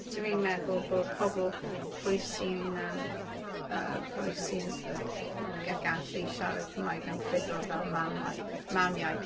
Dwi'n meddwl bod pobl pwy sy'n yym yy... pwy sy'n gallu siarad Cymraeg yn rhugl fel mamla- mamiaith.